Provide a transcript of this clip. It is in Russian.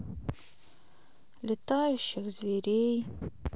летающих зверей